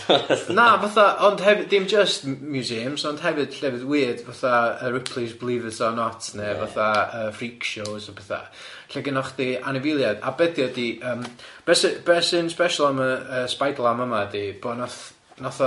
Na fatha ond hef- dim jyst m- museums ond hefyd llefydd weird fatha yy Ripley's Believers Are Not neu fatha yy Freakshows a pethau, lle gynnoch chdi anifiliaid a be' di ydi yym, be' sy be' sy'n special am y yy spider-lam yma ydi bo' na, nath o